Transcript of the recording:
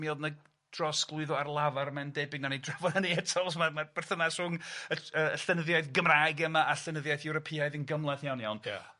mi o'dd 'na drosglwyddo ar lafar mae'n debyg nawn ni drafod hynny eto os ma' ma'r berthynas rhwng yr ll- yy y llenyddiaeth Gymraeg yma a llenyddiaeth Ewropeaidd yn gymhleth iawn iawn. Ia.